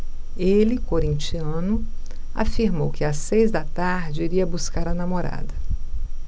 ele corintiano afirmou que às seis da tarde iria buscar a namorada